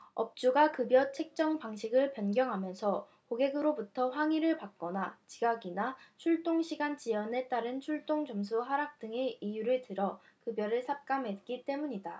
업주가 급여 책정 방식을 변경하면서 고객으로부터 항의를 받거나 지각이나 출동 시간 지연에 따른 출동점수 하락 등의 이유를 들어 급여를 삭감했기 때문이다